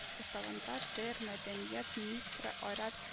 Составында тээр мәдәният министры айрат